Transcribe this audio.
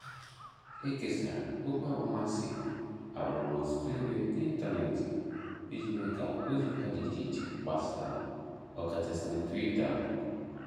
E kesara okwu akpọmasị agbụrụ n'ọtụtụ ebe n'ịntaneetị iji mee ka ozi ụgha dị icheiche gbasaa, ọkachasị na Twitter.